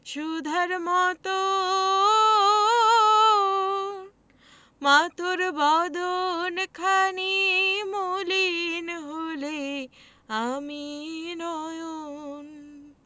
সুধার মতো মা তোর বদনখানি মলিন হলে আমি